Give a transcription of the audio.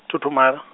thu thu mala.